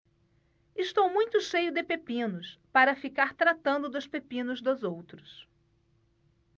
estou muito cheio de pepinos para ficar tratando dos pepinos dos outros